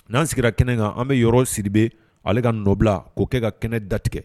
N'an sigira kɛnɛ kan an bɛ yɔrɔ siri bɛ ale ka nɔbila k'o kɛ ka kɛnɛ datigɛ